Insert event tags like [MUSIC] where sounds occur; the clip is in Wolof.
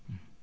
[HESITATION] [HESITATION]